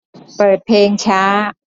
เปิดเพลงช้า